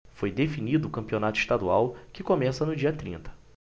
foi definido o campeonato estadual que começa no dia trinta